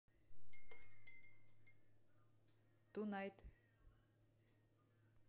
ту найт